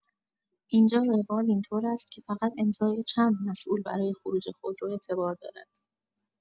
اینجا روال اینطور است که فقط امضای چند مسئول برای خروج خودرو اعتبار دارد.